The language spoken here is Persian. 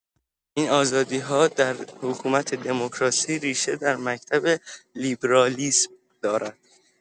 این آزادی‌ها در حکومت دموکراسی ریشه در مکتب لیبرالیسم دارد.